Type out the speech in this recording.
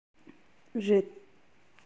རེད